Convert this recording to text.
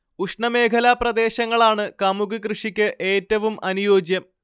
ഉഷ്ണമേഖലാപ്രദേശങ്ങളാണ് കമുക് കൃഷിക്ക് ഏറ്റവും അനുയോജ്യം